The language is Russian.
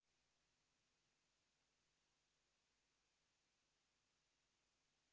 где находится место дуэли пушкина